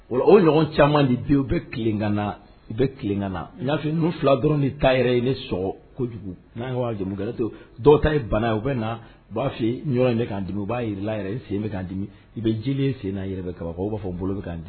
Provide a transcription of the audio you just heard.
O o ɲɔgɔn caman u bɛ tilengana u bɛ tilengana n'afin n ninnu fila dɔrɔn ni ta yɛrɛ i ne sɔn kojugu n'a'jamukɛte dɔ ta ye bana u bɛ na u b'a fɔ ɲɔgɔn in k kan dimi u b'a jira i la yɛrɛ sen bɛ k kan dimi i bɛ ji sen yɛrɛɛrɛ kababaw u b'a fɔ bolo bɛ ka kan dimi